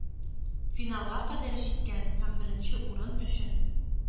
Финалга кадәр җиткән һәм беренче урын өчен